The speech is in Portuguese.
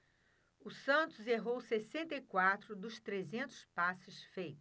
o santos errou sessenta e quatro dos trezentos passes feitos